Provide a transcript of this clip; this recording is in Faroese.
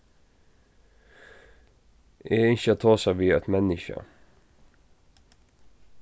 eg ynski at tosa við eitt menniskja